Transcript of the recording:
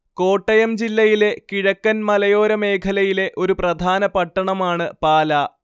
കോട്ടയം ജില്ലയിലെ കിഴക്കൻ മലയോര മേഖലയിലെ ഒരു പ്രധാന പട്ടണമാണ് പാലാ